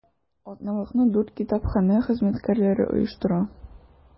Атналыкны дүрт китапханә хезмәткәрләре оештыра.